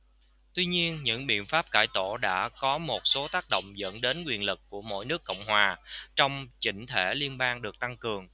tuy nhiên những biện pháp cải tổ đã có một số tác động dẫn đến quyền lực của mỗi nước cộng hòa trong chỉnh thể liên bang được tăng cường